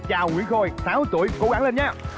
chào nguyễn khôi sáu tuổi cố gắng lên nhá